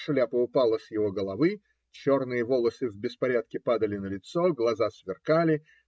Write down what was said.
Шляпа упала с его головы, черные волосы в беспорядке падали на лицо, глаза сверкали.